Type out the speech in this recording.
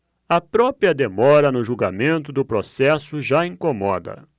a própria demora no julgamento do processo já incomoda